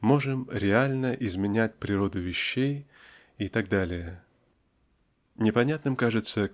можем реально изменять природу вещей и т. д. Непонятным кажется